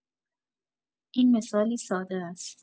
این مثالی ساده است.